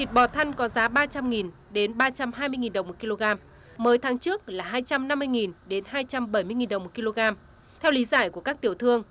thịt bò thăn có giá ba trăm nghìn đến ba trăm hai mươi nghìn đồng một ki lô gam mới tháng trước là hai trăm năm mươi nghìn đến hai trăm bảy mươi nghìn đồng một ki lô gam theo lý giải của các tiểu thương